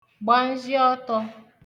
gbànzhị ọtọ̄